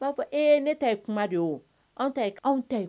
N b'a fɔ eee ne ta ye kuma de ye anw ta